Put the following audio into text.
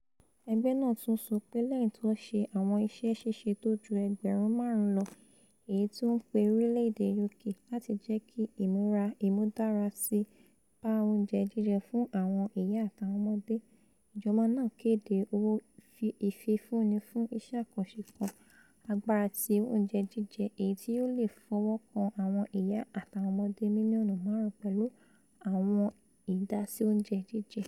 Ẹgbẹ́ náà tún sọ pé lẹ́yìn tí wọn ṣe àwọn iṣẹ́ ṣíṣe to ju ẹgbẹ̀rúnn máàrún lọ èyití ó ńpè orílẹ̀-èdè U.K. láti jẹ́kí ìmúdárasíi bá oúnjẹ jíjẹ fún àwọn ìyá àti àwọn ọmọdé, ìjọba náà kédé owó ìfifúnni fún iṣẹ́ àkànṣe kan, Agbára ti Oúnjẹ Jíjẹ, èyití yóò leè fọwọ́kan àwọn ìyá àti àwọn ọmọdé mílíọ̀nù máàrún pẹ̀lú àwọn ìdásí oúnjẹ jíjẹ.